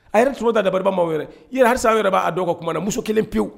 halisa b'a yɛrɛ b'a dɔw ka kuma na na muso kelen pewu